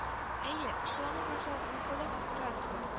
- әйе, эшелоным вокжал вокзалда көтеп тора, дилбәр